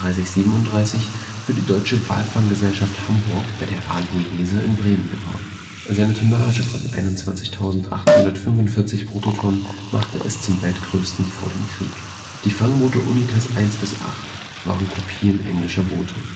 – 37 für die „ Deutsche Walfang-Gesellschaft Hamburg “bei der AG Weser in Bremen gebaut. Seine Tonnage von 21.845 Bruttotonnen machte es zum weltgrößten vor dem Krieg. Die Fangboote Unitas I – VIII waren Kopien englischer Boote